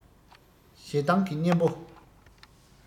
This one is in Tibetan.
ཞེ སྡང གི གཉེན པོ